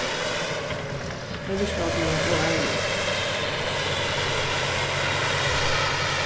tey virkaðu til at vera óeinig